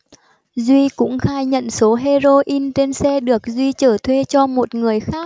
duy cũng khai nhận số heroin trên xe được duy chở thuê cho một người khác